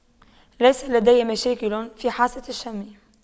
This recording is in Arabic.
ليس لدي مشاكل في حاسة الشم